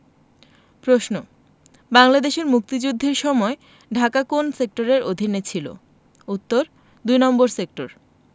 প্রশ্ন বাংলাদেশের মুক্তিযুদ্ধের সময় ঢাকা কোন সেক্টরের অধীনে ছিলো উত্তর দুই নম্বর সেক্টর